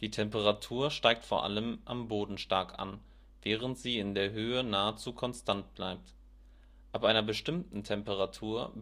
Temperatur steigt vor allem am Boden stark an, während sie in der Höhe nahezu konstant bleibt. Ab einer bestimmten Temperatur